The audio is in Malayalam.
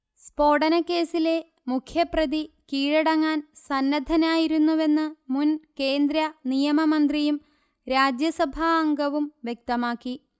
സ്ഫോടനക്കേസ്സിലെ മുഖ്യ പ്രതി കീഴടങ്ങാൻ സന്നദ്ധനായിരുന്നുവെന്ന് മുൻ കേന്ദ്ര നിയമ മന്ത്രിയും രാജ്യ സഭാ അംഗവും വ്യക്തമാക്കി